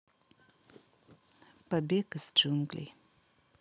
побег из джунглей